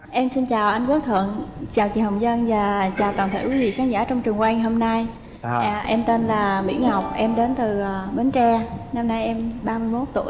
em xin chào anh quốc thuận chào chị hồng vân và chào toàn thể quý vị khán giả trong trường quay hôm nay à em tên là mỹ ngọc em đến từ bến tre năm nay em ba mươi mốt tuổi